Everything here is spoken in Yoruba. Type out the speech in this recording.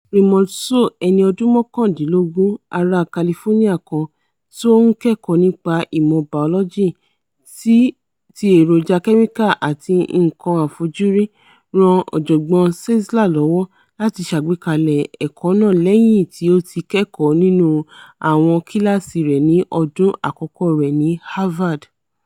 Raymond So, ẹni ọdún mọ́kàndínlógún ara California kan tó ńkẹ̀kọ̀ọ́ nípa ìmọ̀ bàọ́lọ́jì tí èròjà kẹ́míkà àti nǹkan àfojúri, ràn Ọ̀jọ̀gbọ́n Czeisler lọ́wọ́ láti ṣàgbékalẹ̀ ẹ̀kọ́ náà lẹ́yìn tí o ti kẹ́kọ̀ọ́ nínú àwọn kíláàsì rẹ̀ ni ọdún àkọ́kọ́ rẹ̀ ní Havard.